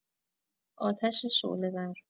آتش شعله‌ور